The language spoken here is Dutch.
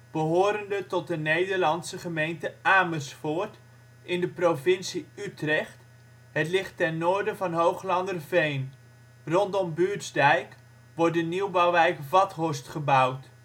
behorende tot de Nederlandse gemeente Amersfoort, in de provincie Utrecht. Het ligt ten noorden van Hooglanderveen. Rondom Buurtsdijk wordt de nieuwbouwwijk